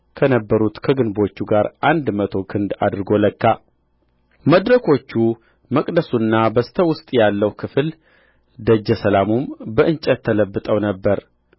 ከነበሩት ከግንቦቹ ጋር አንድ መቶ ክንድ አድርጎ ለካ መድረኮቹ መቅደሱና በስተ ውስጥ ያለው ክፍል ደጀ ሰላሙም በእንጨት ተለብጠው ነበር